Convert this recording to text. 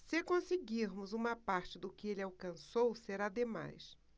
se conseguirmos uma parte do que ele alcançou será demais